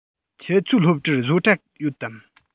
ཁྱོད ཚོའི སློབ གྲྭར བཟོ གྲྭ ཡོད དམ